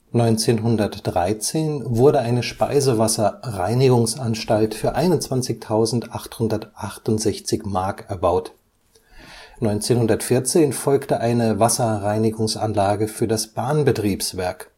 1913 wurde eine Speisewasser-Reinigungsanstalt für 21.868 Mark erbaut. 1914 folgte eine Wasserreinigungsanlage für das Bahnbetriebswerk